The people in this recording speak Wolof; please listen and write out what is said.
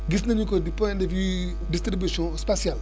gis nañu que du point de vue didtribution spatiale